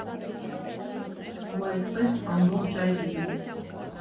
Ու այդպես ամբողջ այգին։